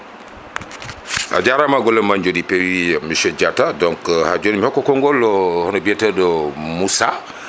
a jarama gollema jooɗi peewi monsieur Diatta donc :frra ha joni mi hokka kongol hoo biyeteɗo Moussa